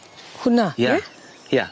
Hwnna? Ia. Ia.